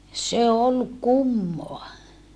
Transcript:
se oli kummaa